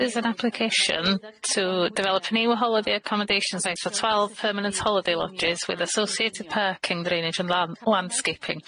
This is an application to develop new holiday accommodation sites for twelve permanent holiday lodges with associated parking drainage and lan- landscaping.